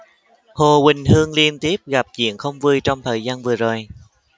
hồ quỳnh hương liên tiếp gặp chuyện không vui trong thời gian vừa rồi